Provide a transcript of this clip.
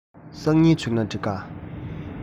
སང ཉིན བྱུང ན འགྲིག ག